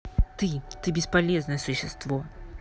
ты ты бесполезное существо